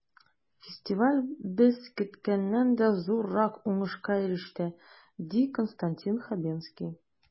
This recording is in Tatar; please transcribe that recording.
Фестиваль без көткәннән дә зуррак уңышка иреште, ди Константин Хабенский.